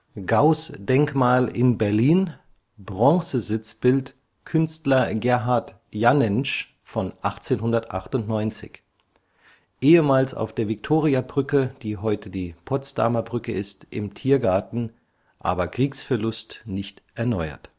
Gauß-Denkmal in Berlin, Bronze-Sitzbild, Künstler Gerhard Janensch, 1898 (ehemals auf der Viktoria-Brücke (heute Potsdamer Brücke) in Tiergarten, Kriegsverlust, nicht erneuert